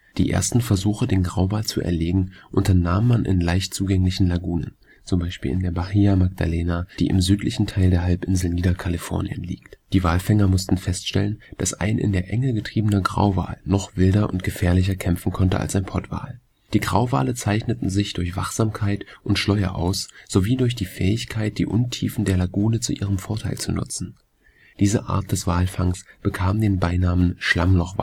Die ersten Versuche, den Grauwal zu erlegen, unternahm man in leicht zugänglichen Lagunen, z. B. in der Bahia Magdalena, die im südlichen Teil der Halbinsel Niederkalifornien liegt. Die Walfänger mussten feststellen, dass ein in der Enge getriebener Grauwal noch wilder und gefährlicher kämpfen konnte als ein Pottwal. Die Grauwale zeichnen sich durch Wachsamkeit und Schläue aus sowie durch die Fähigkeit, die Untiefen der Lagunen zu ihrem Vorteil zu nutzen. Diese Art des Walfangs bekam den Beinamen Schlammloch-Walfang